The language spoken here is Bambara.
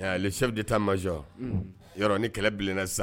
Ale sedi taa mazɔn yɔrɔ ni kɛlɛ bilen sisan